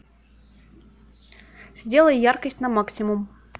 сделай яркость на максимум